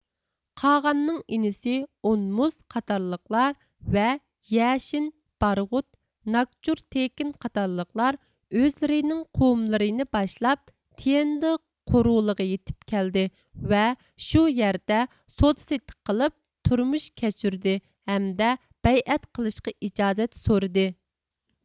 قاغاننىڭ ئىنىسى ئونمۇس قاتارلىقلار ۋە يەشىن بارغۇت ناگچۇر تېكىن قاتارلىقلار ئۆزلىرىنىڭ قوۋمىلىرىنى باشلاپ تيەندې قورۇلىغا يېتىپ كەلدى ۋە شۇ يەردە سودا سېتىق قىلىپ تۇرمۇش كەچۈردى ھەمدە بەيئەت قىلىشقا ئىجازەت سورىدى